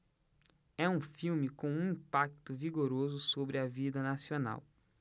é um filme com um impacto vigoroso sobre a vida nacional